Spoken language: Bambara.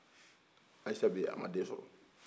ayisa bɛ yen a ma den sɔrɔ